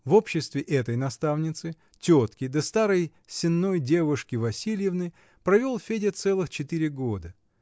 В обществе этой наставницы, тетки да старой сенной девушки Васильевны провел Федя целых четыре года.